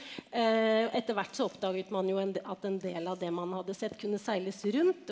etterhvert så oppdaget man jo en at en del av det man hadde sett kunne seiles rundt.